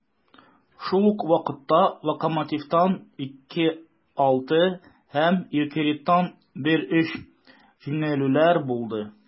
Шул ук вакытта "Локомотив"тан (2:6) һәм "Йокерит"тан (1:3) җиңелүләр булды.